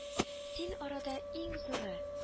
- син арада иң зуры